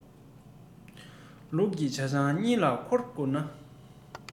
ལུག རྫི ཇ ཆང གཉིས ལ མགོ འཁོར ན